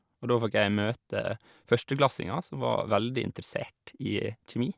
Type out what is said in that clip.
Og da fikk jeg møte førsteklassinger som var veldig interessert i kjemi.